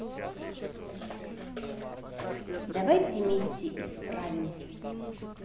давайте вместе исправим